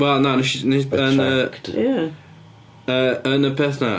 O na wnes i, yn y... O ie. ...Yn y peth yna...